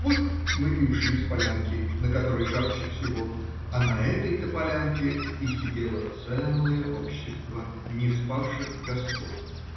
Вот мы и ушли с полянки, на которой жарче всего, а на этой-то полянке и сидело целое общество неспавших господ.